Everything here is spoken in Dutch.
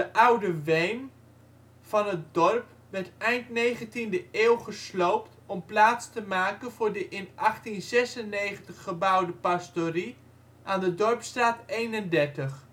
oude weem van het dorp werd eind 19e eeuw gesloopt om plaats te maken voor de in 1896 gebouwde pastorie aan de Dorpstraat 31. In 1905 werd het